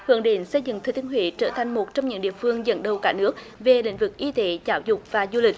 hướng đến xây dựng thừa thiên huế trở thành một trong những địa phương dẫn đầu cả nước về lĩnh vực y tế giáo dục và du lịch